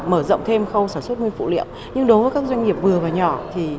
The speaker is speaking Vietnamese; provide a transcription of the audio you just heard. mở rộng thêm khâu sản xuất nguyên phụ liệu nhưng đối với các doanh nghiệp vừa và nhỏ thì